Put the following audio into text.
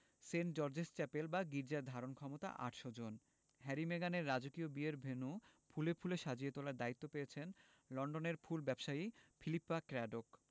Saint George's Chapel বা গির্জার ধারণক্ষমতা ৮০০ জন হ্যারি মেগানের রাজকীয় বিয়ের ভেন্যু ফুলে ফুলে সাজিয়ে তোলার দায়িত্ব পেয়েছেন লন্ডনের ফুল ব্যবসায়ী ফিলিপ্পা ক্র্যাডোক